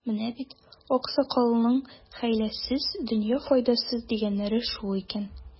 Менә бит, аксакалларның, хәйләсез — дөнья файдасыз, дигәннәре шул икән.